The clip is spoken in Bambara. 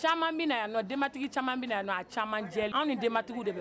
Caaman bɛ na yan nɔ, denbatigi caaman bɛ na yan nɔ , a caaman jɛlen, anw ni denbatigiw de bɛ